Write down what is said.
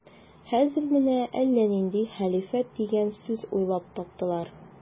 Хәзер менә әллә нинди хәлифәт дигән сүз уйлап таптылар.